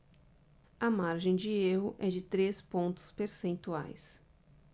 a margem de erro é de três pontos percentuais